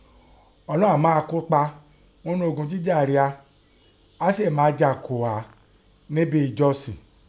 Ọlọ́un a máa kópa ńnú ogun jíjà ria, a sèè máa jà kò a nẹ́ ẹbin ẹ̀jọsìn.